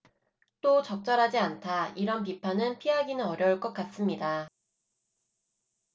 또 적절하지 않다 이런 비판은 피하기는 어려울 것 같습니다